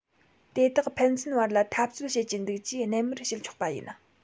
དེ དག ཕན ཚུན བར ལ འཐབ རྩོད བྱེད ཀྱི འདུག ཅེས རྣལ མར བཤད ཆོག པ ཡིན